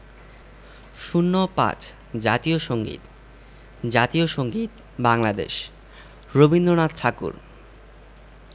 ০৫ জাতীয় সংগীত জাতীয় সংগীত বাংলাদেশ রবীন্দ্রনাথ ঠাকুর